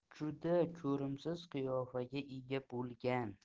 u juda ko'rimsiz qiyofaga ega bo'lgan